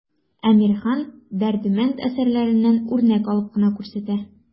Әмирхан, Дәрдемәнд әсәрләреннән үрнәк алып кына күрсәтә.